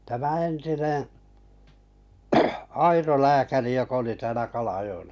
tämä entinen Airo lääkäri joka oli täällä Kalajoella